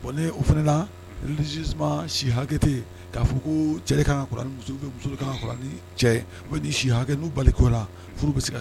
Bon ne o fanalasi si hakɛte' ko cɛ ka ka ni cɛ ni si hakɛ n'u baliko la furu bɛ se kan